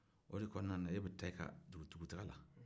o de kɔnɔ na e bɛ taa i ka dugutaa la